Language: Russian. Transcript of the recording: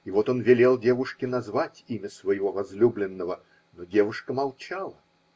И вот он велел девушке назвать имя своего возлюбленного. Но девушка молчала.